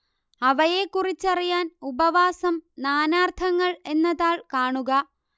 അവയെക്കുറിച്ചറിയാന് ഉപവാസം നാനാര്ത്ഥങ്ങള് എന്ന താള് കാണുക